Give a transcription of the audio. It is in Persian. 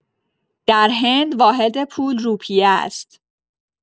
در هند واحد پول روپیه است.